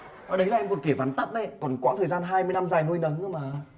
mà đấy là anh kể vắn tắt đấy còn quãng thời gian hai mươi năm dài nuôi nấng cơ mà